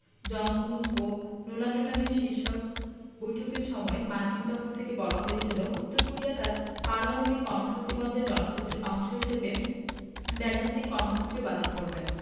জং Un ও Donald ট্রাম্পের শীর্ষ বৈঠকের সময় মার্কিন তরফ থেকে বলা হয়েছিল উত্তর কোরিয়া তার পারমাণবিক কর্মসূচি বন্ধের প্রতিশ্রুতির অংশ হিসেবে ব্যালিস্টিক কর্মসূচিও বাতিল করবেন